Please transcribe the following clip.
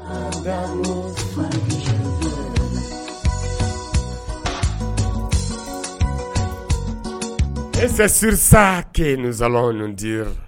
Et c'est sur ça que nous allons nous dire